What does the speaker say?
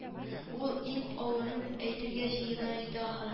Ул иң авырын әйтергә җыена иде, ахры